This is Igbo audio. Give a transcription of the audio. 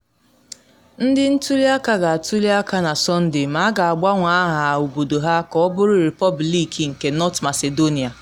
Ndị ntuli aka ga-atuli aka na Sọnde ma a ga-agbanwe aha obodo ha ka ọ bụrụ “Repọbliki nke North Macedonia.”